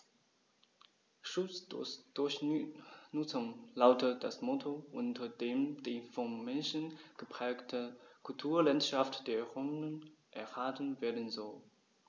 „Schutz durch Nutzung“ lautet das Motto, unter dem die vom Menschen geprägte Kulturlandschaft der Rhön erhalten werden soll.